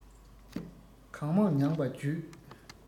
གང མང མྱངས པ བརྒྱུད